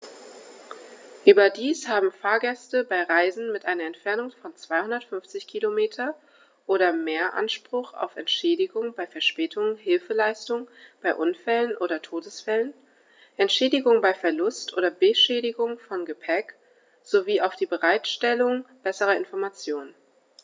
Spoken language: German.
Überdies haben Fahrgäste bei Reisen mit einer Entfernung von 250 km oder mehr Anspruch auf Entschädigung bei Verspätungen, Hilfeleistung bei Unfällen oder Todesfällen, Entschädigung bei Verlust oder Beschädigung von Gepäck, sowie auf die Bereitstellung besserer Informationen.